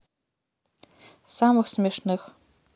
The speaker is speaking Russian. самых смешных